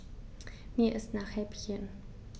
Mir ist nach Häppchen.